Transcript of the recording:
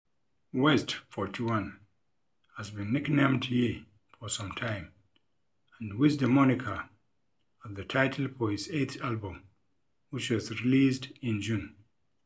West, 41, has been nicknamed Ye for some time and used the moniker as the title for his eighth album, which was released in June.